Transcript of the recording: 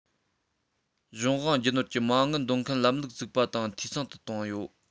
གཞུང དབང རྒྱུ ནོར གྱི མ དངུལ འདོན མཁན ལམ ལུགས བཙུགས པ དང འཐུས ཚང དུ བཏང ཡོད